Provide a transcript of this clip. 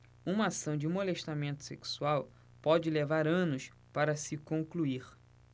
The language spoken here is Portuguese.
uma ação de molestamento sexual pode levar anos para se concluir